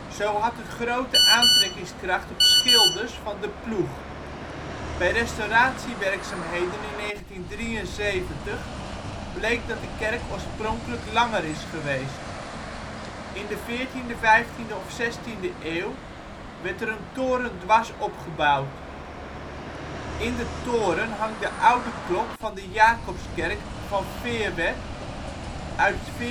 Zo had het grote aantrekkingskracht op schilders van De Ploeg. Bij restauratiewerkzaamheden in 1973 bleek dat de kerk oorspronkelijk langer is geweest. In de 14e, 15e of 16e eeuw werd er een toren dwars op gebouwd. In de toren hangt de oude klok van de Jacobuskerk van Feerwerd uit 1446